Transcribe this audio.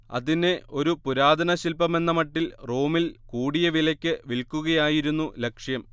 അതിനെ ഒരു പുരാതനശില്പമെന്നമട്ടിൽ റോമിൽ കൂടിയ വിലക്ക് വിൽക്കുകയായിരുന്നു ലക്ഷ്യം